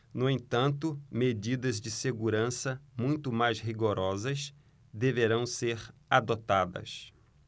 no entanto medidas de segurança muito mais rigorosas deverão ser adotadas